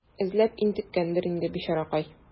Эзләп интеккәндер инде, бичаракай.